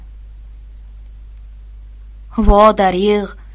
vo darig'